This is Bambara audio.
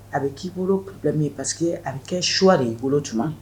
A bɛ k'i bolo bila min pa que a bɛ kɛ suwa de' i bolo tuma